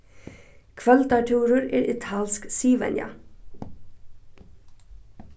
kvøldartúrur er italsk siðvenja